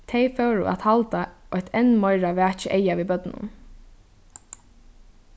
tey fóru at halda eitt enn meira vakið eyga við børnunum